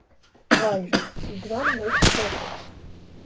Վայրը՝ Տիգրան Մեծ փողոց։